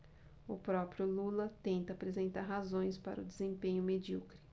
o próprio lula tenta apresentar razões para o desempenho medíocre